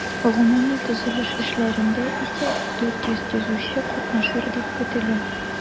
Гомуми төзелеш эшләрендә исә 400 төзүче катнашыр дип көтелә.